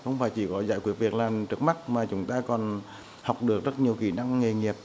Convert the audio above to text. không phải chỉ có giải quyết việc làm trước mắt mà chúng ta còn học được rất nhiều kỹ năng nghề nghiệp